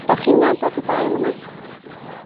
'Dach chi'n nabod y dail yma?